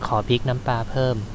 ขอพริกน้ำปลาเพิ่ม